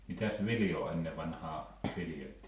mitäs viljaa ennen vanhaa viljeltiin